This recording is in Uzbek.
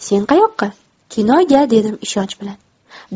sen qayoqqa kinoga dedim ishonch bilan